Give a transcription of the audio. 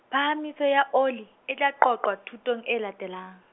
phahamiso ya oli, e tla qoqwa thutong e latelang.